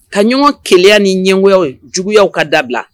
Ka ɲɔgɔn kɛlɛya ni ɲɛgow juguya ka dabila